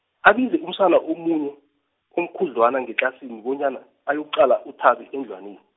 abize umsana omunye, omkhudlwana ngetlasini bonyana ayokuqala uThabi endlwanin-.